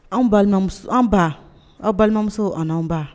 Anw balima an ba aw balimamuso an anw ba